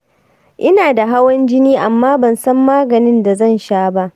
ina da hawan jini amma bansan maganin da zan sha ba.